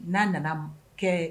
N'a nana mun kɛ?